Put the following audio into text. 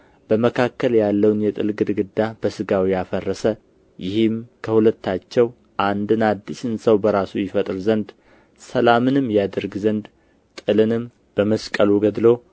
መካከል ያለውን የጥል ግድግዳን በሥጋው ያፈረሰ ይህም ከሁለታቸው አንድን አዲስን ሰው በራሱ ይፈጥር ዘንድ ሰላምንም ያደርግ ዘንድ ጥልንም በመስቀሉ ገድሎ